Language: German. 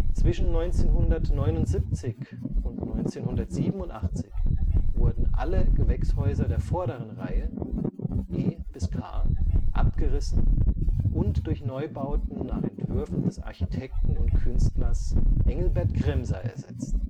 Zwischen 1979 und 1987 wurden alle Gewächshäuser der vorderen Reihe (E bis K) abgerissen und durch Neubauten nach Entwürfen des Architekten und Künstlers Engelbert Kremser ersetzt